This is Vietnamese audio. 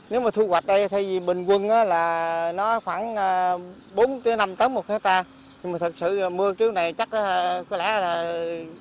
nếu mà thu hoạch đây thay vì bình quân là nó khoảng là bốn đến năm tấn một héc ta nhưng mà thật sự là mưa kiểu này chắc có lẽ là